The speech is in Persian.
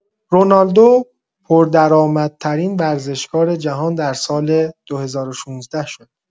رونالدو پردرآمدترین ورزشکار جهان در سال ۲۰۱۶ شد.